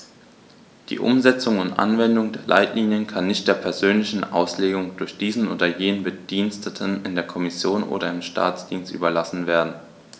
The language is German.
Die Umsetzung und Anwendung der Leitlinien kann nicht der persönlichen Auslegung durch diesen oder jenen Bediensteten in der Kommission oder im Staatsdienst überlassen werden.